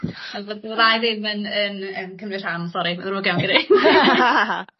... er fydd- fyddai ddim yn yn yn cymryd rhan sori ma'n ddrwg iawn gen i.